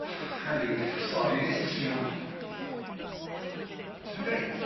Elin sori nes i trio on'... Ti'n oce?